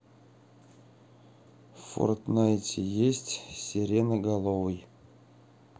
в фортнайте есть сиреноголовый